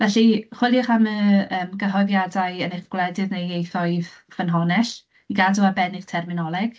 Felly, chwiliwch am y, yym, gyhoeddiadau yn eich gwledydd neu ieithoedd ffynhonnell i gadw ar ben eich terminoleg.